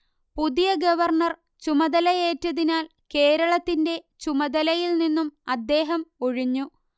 പുതിയ ഗവർണ്ണർ ചുമതലയേറ്റതിനാൽ കേരളത്തിന്റെ ചുമതലയിൽനിന്നും അദ്ദേഹം ഒഴിഞ്ഞു